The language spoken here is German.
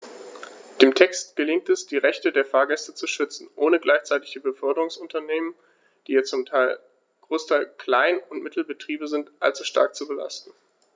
Dem Text gelingt es, die Rechte der Fahrgäste zu schützen, ohne gleichzeitig die Beförderungsunternehmen - die ja zum Großteil Klein- und Mittelbetriebe sind - allzu stark zu belasten.